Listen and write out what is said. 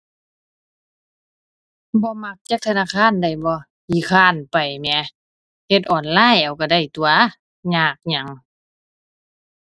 บ่มักจักธนาคารได้บ่ ขี้คร้านไปแหม เฮ็ดออนไลน์เอาก็ได้ตั่ว ยากหยัง